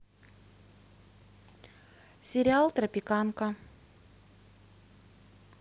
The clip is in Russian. сериал тропиканка